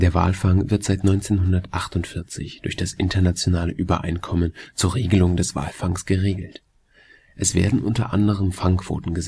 Walfang wird seit 1948 durch das Internationale Übereinkommen zur Regelung des Walfangs geregelt. Es werden unter anderem Fangquoten